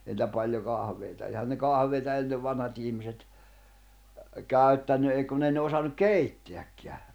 ei niitä paljon kahveja eihän ne kahveja ennen vanhat ihmiset käyttänyt ei kun ei ne osannut keittääkään